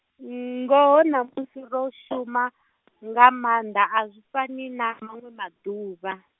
ngoho ṋamusi ro shuma, nga manda a zwi fani na manwe maḓuvha.